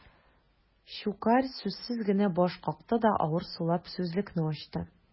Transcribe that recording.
Щукарь сүзсез генә баш какты да, авыр сулап сүзлекне ачты.